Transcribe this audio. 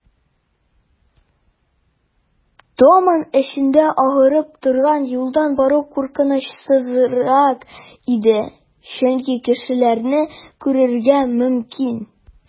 Томан эчендә агарып торган юлдан бару куркынычсызрак иде, чөнки кешеләрне күрергә мөмкин.